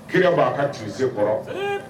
Kelen b'a ka ci se kɔrɔ